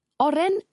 Oren